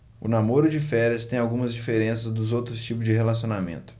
o namoro de férias tem algumas diferenças dos outros tipos de relacionamento